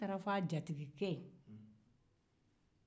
ci taara fɔ a jatigikɛ ye